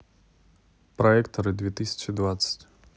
проекторы две тысячи двадцать